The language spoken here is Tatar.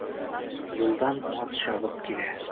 Юлдан ат чабып килә.